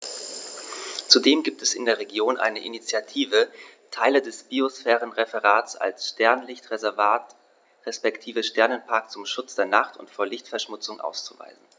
Zudem gibt es in der Region eine Initiative, Teile des Biosphärenreservats als Sternenlicht-Reservat respektive Sternenpark zum Schutz der Nacht und vor Lichtverschmutzung auszuweisen.